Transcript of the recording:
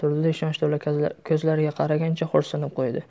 ishonch to'la ko'zlariga qaragancha xo'rsinib qo'ydi